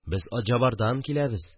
– без атҗабардан киләбез